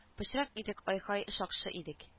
Пычрак идек ай-һай шакшы идек